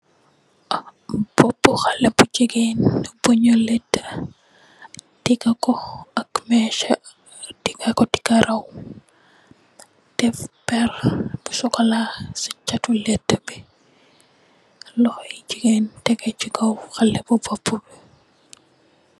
Bopu haleh bu gigain bu nju lehtah, tehgah kor ak meeche, tehgah kor ak karaw, deff pehrre bu chocolat cii chhatu lehti bii, lokhor yu gigain bu tehgeh chi kaw haleh bu bopu bii.